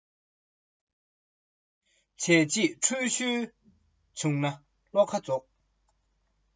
བྱས རྗེས དྲུད ཤུལ བྱུང ན བློ ཁ རྫོགས